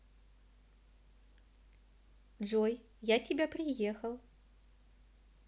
джой я тебя приехал